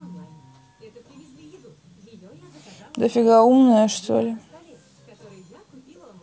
что дофига умная что ли